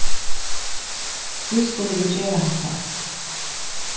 hví skulu vit gera hatta